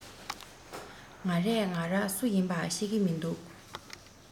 ང རས ང ར སུ ཡིན པ ཤེས གི མི འདུག